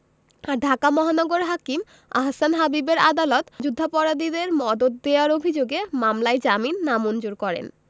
আর ঢাকা মহানগর হাকিম আহসান হাবীবের আদালত যুদ্ধাপরাধীদের মদদ দেওয়ার অভিযোগের মামলায় জামিন নামঞ্জুর করেন